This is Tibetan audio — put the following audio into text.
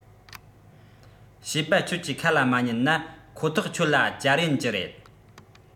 བྱིས པ ཁྱོད ཀྱིས ཁ ལ མ ཉན ན ཁོ ཐག ཁྱོད ལ གཅར ཡིན གྱི རེད